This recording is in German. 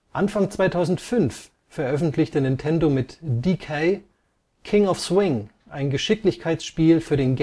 Anfang 2005 veröffentlichte Nintendo mit DK: King of Swing ein Geschicklichkeitsspiel für den